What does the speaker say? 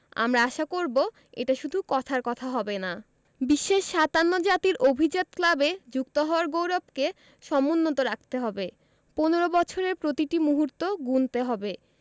আমরা আশা করব এটা শুধু কথার কথা হবে না বিশ্বের ৫৭ জাতির অভিজাত ক্লাবে যুক্ত হওয়ার গৌরবকে সমুন্নত রাখতে হবে ১৫ বছরের প্রতিটি মুহূর্ত গুনতে হবে